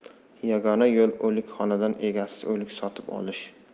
yagona yo'l o'likxonadan egasiz o'lik sotib olish